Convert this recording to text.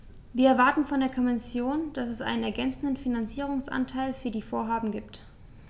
Wir erwarten von der Kommission, dass es einen ergänzenden Finanzierungsanteil für die Vorhaben gibt.